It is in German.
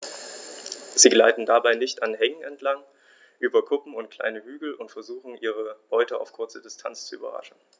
Sie gleiten dabei dicht an Hängen entlang, über Kuppen und kleine Hügel und versuchen ihre Beute auf kurze Distanz zu überraschen.